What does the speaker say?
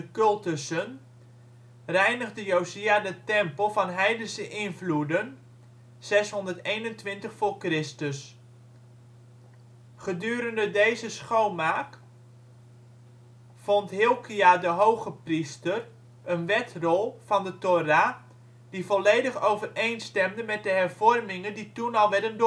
cultussen, reinigde Josia de tempel van heidense invloeden. (621 BC). Gedurende deze schoonmaak, vond Hilkia de hoge priester een wetrol van de Thora, die volledig overeenstemden met de hervormingen die toen werden